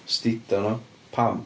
Stido nhw? Pam?